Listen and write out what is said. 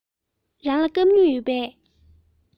རང ལ སྐམ སྨྱུག ཡོད པས